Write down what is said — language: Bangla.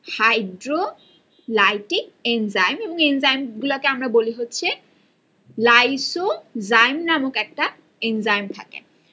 হাইড্রোলাইটিক এনজাইম এবং এনজাইমগুলো কে আমরা বলি হচ্ছে লাইসোজাইম নামক একটা এনজাইম থাকে